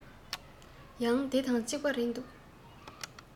ཡང འདི དང ཅིག པ རེད འདུག